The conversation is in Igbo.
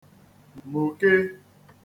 muke